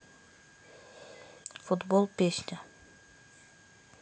футбол песня